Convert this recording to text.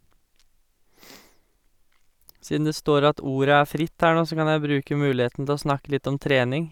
Siden det står at ordet er fritt her nå, så kan jeg bruke muligheten til å snakke litt om trening.